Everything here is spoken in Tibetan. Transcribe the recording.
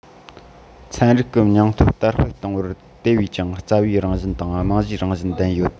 ཚན རིག གི སྙིང སྟོབས དར སྤེལ གཏོང བར དེ བས ཀྱང རྩ བའི རང བཞིན དང རྨང གཞིའི རང བཞིན ལྡན ཡོད